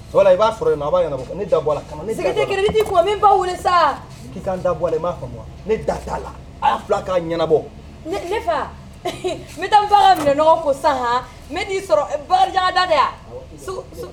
Voila I b'a sɔrɔ yenninɔ a b'a ɲanabɔ ne da bɔ a la kana ne da don a la. Zɛkɛtɛ crédit t'i kun wa? N bɛ n ba weele sa! K'i ka n da bɔ a la i ma faamu wa? Ne da t'a la, a' fila k'a ɲanabɔ! Ne fa n bɛ taa n ba ka mina nɔgɔw ko sisan haan n bɛ n'i sɔrɔ Bakaijan ka da tɛ wa Awɔ.